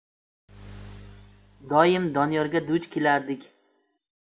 doim doniyorga duch kelardik